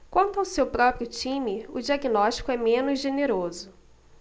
quanto ao seu próprio time o diagnóstico é menos generoso